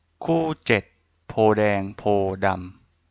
คู่เจ็ดโพธิ์แดงโพธิ์ดำ